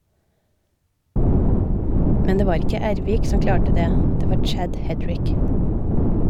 Men det var ikke Ervik som klarte det , det var Chad Hedrick.